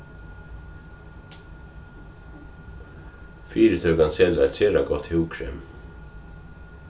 fyritøkan selur eitt sera gott húðkrem